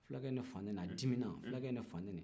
fulakɛ ye ne fa nɛni a dimi na fulakɛ ye fa nɛni